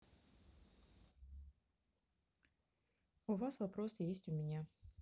у вас вопрос есть у меня